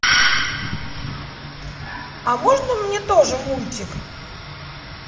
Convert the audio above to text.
а можно мне тоже мультик